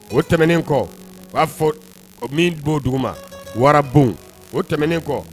O tɛmɛnen kɔ u b'a fɔ min b'o dugu ma wara bon o tɛmɛnen kɔ